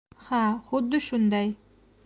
ha xuddi shunday